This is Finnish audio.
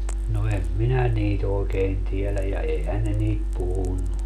no en minä niitä oikein tiedä ja eihän ne niitä puhunut